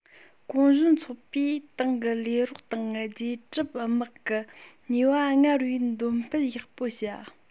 གུང གཞོན ཚོགས པས ཏང གི ལས རོགས དང རྗེས གྲབས དམག གི ནུས པ སྔར བས འདོན སྤེལ ཡག པོ བྱ